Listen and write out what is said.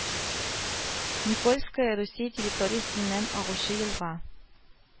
Никольская Русия территориясеннән агучы елга